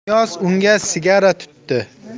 niyoz unga sigara tutdi